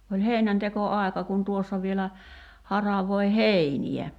oli heinäntekoaika kun tuossa vielä haravoi heiniä